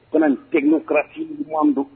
Kana nin tɛo kurati ɲɔgɔn don